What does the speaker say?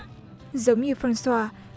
giống như phăng xoa